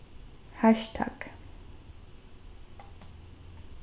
hassjtagg